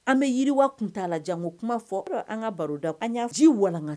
An bɛ yiriwa kun t'a la jan ko kuma fɔ an ka baroda an y'a ji iwalanka